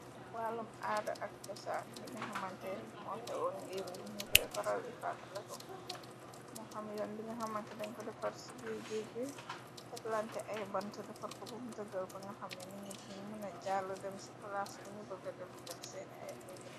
Wàllum aada ak josaan mi nga xamante moo xewoon diim gu ñu koy faral di faata leko moo xam yoon bi nga xamante dañ fa defar ci biir géej bi tek lante ay bantu defar ko bam tëgël ba nga xamni ni nit riñ mu na jallu dem ci palaas bi ñu bëga dem faj seene ay adibo.